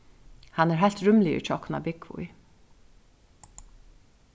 hann er heilt rúmligur hjá okkum at búgva í